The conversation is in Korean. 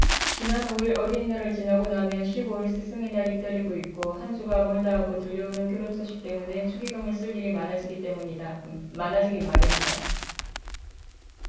지난 오 일 어린이날을 지나고 나면 십 오 일 스승의날이 기다리고 있고 한 주가 멀다하고 들려오는 결혼 소식때문에 축의금을 쓸 일이 많아지기 마련이다